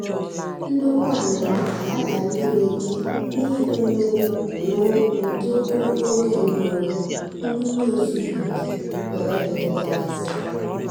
Ihe dị ka otu afọ mgbe ikpe ahụ gasịrị, a chụrụ onye ọzọ n'ọrụ bụ onye enyemaka ụlọ si mba ọzọ maka ịtụrụ ime.